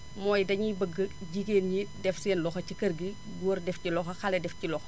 mooy dañuy bëgg jigéen ñi def seen loxo ci kër gi góor def ci loxo xale def ci loxo